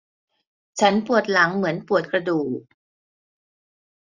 ฉันปวดหลังเหมือนปวดกระดูก